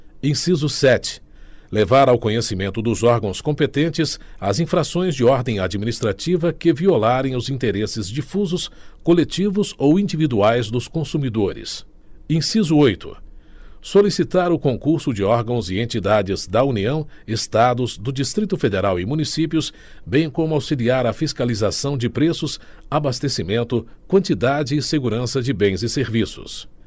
inciso sete levar ao conhecimento dos órgãos competentes as infrações de ordem administrativa que violarem os interesses difusos coletivos ou individuais dos consumidores inciso oito solicitar o concurso de órgãos e entidades da união estados do distrito federal e municípios bem como auxiliar a fiscalização de preços abastecimento quantidade e segurança de bens e serviços